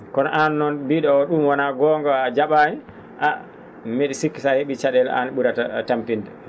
kono aan noon mbii?o ?um wonaa goonga oo a ja?aani a mbi?o sikki tan sa he?ii ca?eele aan ?urata tampinde